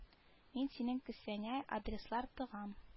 Мин синең кесәңә адреслар тыгам